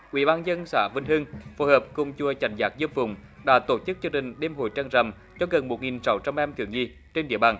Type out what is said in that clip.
ủy ban dân xã vĩnh hưng phối hợp cùng chùa trấn giác dư phụng đã tổ chức chương trình đêm hội trăng rằm cho gần một nghìn sáu trăm em thiếu nhi trên địa bàn